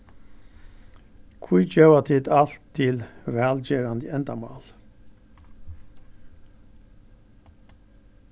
hví geva tit alt til vælgerandi endamál